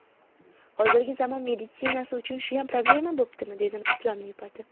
hozirgi zamon meditsinasi uchun shuyam problema bo'ptimi dedim usmonni yupatib